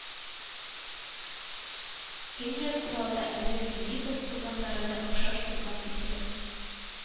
Көньяк Уралда әле Филиппов курганнарына охшаш курган билгеле: